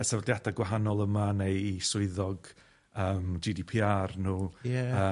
...y sefydliada' gwahanol yma, neu 'u swyddog yym Gee Dee Pee Are nw... Ie. ...a